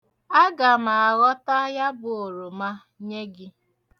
Aga m aghọta ya bụ oroma, nye gị.